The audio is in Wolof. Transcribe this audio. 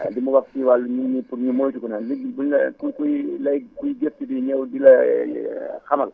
waa du ma wax si wàllu nit ñi pour ñu moytu ko nag nit ñi bu ñu la ku siy lay kuy gëstu di ñëw di la xamal